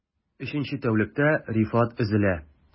Өченче тәүлектә Рифат өзелә...